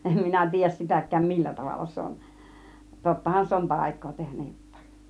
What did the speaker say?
en minä tiedä sitäkään millä tavalla se on tottahan se on taikaa tehnyt jotakin